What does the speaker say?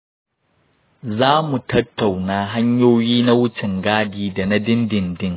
za mu tattauna hanyoyi na wucin gadi da na dindindin.